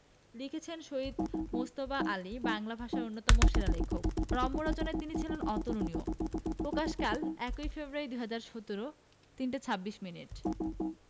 লিখেছেনঃ সৈয়দ মুজতবা আলী বাংলা ভাষার অন্যতম সেরা লেখক রম্য রচনায় তিনি ছিলেন অতুলনীয় প্রকাশকালঃ ০১ ফেব্রুয়ারী ২০১৭ ৩টা ২৬ মিনিট